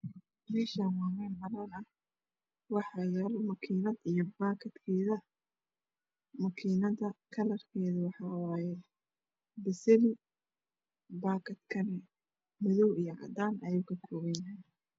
Meeshaan waa meel banaan ah waxaa yaal makiinad iyo baakadkeeda . makiinada kalarkeedu waxa waaye basali baakadkana madow iyo cadaan ayuu ka kooban yahay.